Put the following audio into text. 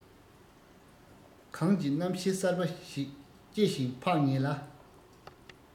གངས ཀྱི རྣམ ཤེས གསར བ ཞིག སྐྱེ ཞིང འཕགས ངེས ལ